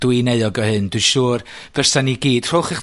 dwi'n euog o hyn, dwi siŵr dylsa ni gyd, rhowch 'ych